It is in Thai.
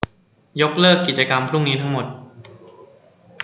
ยกเลิกกิจกรรมพรุ่งนี้ทั้งหมด